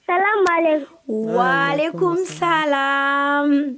Salamalekun walekum Salam